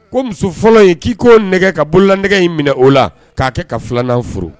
Ko muso fɔlɔ in k'i ko nɛgɛ ka bolola nɛgɛgɛ in minɛ o la k'a kɛ ka filan furu